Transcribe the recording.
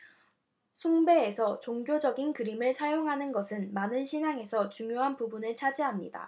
숭배에서 종교적인 그림을 사용하는 것은 많은 신앙에서 중요한 부분을 차지합니다